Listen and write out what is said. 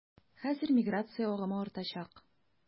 Хәзер миграция агымы артачак.